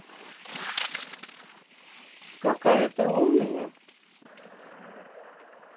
какая ты умная